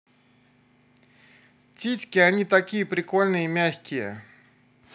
титьки они такие прикольные мягкие